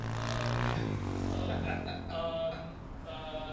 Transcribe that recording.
Yy yym yym yy.